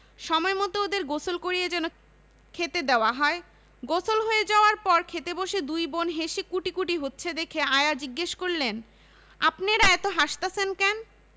সময়মত ওদের গোসল করিয়ে যেন খেতে দেওয়া হয় গোসল হয়ে যাবার পর খেতে বসে দুই বোন হেসে কুটিকুটি হচ্ছে দেখে আয়া জিজ্ঞেস করলেন আপনেরা অত হাসতাসেন ক্যান